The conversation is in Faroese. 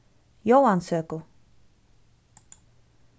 jóansøku